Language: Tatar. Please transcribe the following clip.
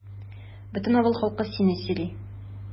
Бөтен авыл халкы сине сөйли.